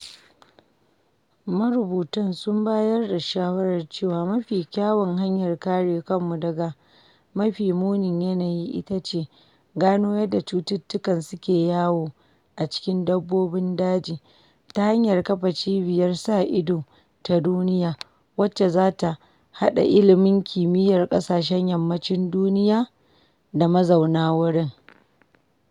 “Marubutan sun bayar da shawarar cewa mafi kyawun hanyar kare kanmu daga mafi munin yanayi, ita ce gano yadda cututtukan suke yawo a cikin dabbobin daji, ta hanyar kafa cibiyar sa ido ta duniya wacce za ta haɗa ilimin kimiyyar ƙasashen yammacin duniya da na mazauna wurin”.